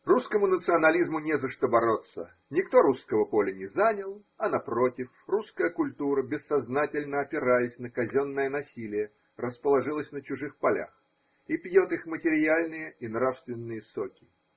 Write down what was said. Русскому национализму не за что бороться – никто русского поля не занял, а на против: русская культура, бессознательно опираясь на казенное насилие, расположилась на чужих полях и пьет их материальные и нравственные соки.